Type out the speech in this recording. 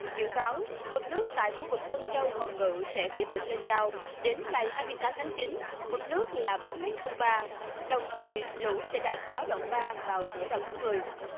dự báo mực nước tại khu vực tân châu hồng ngự sẽ tiếp tục lên cao đến ngày hai mươi tám tháng chín mực nước là bốn mét không ba đồng thời lũ sẽ đạt báo động ba vào nửa đầu tháng mười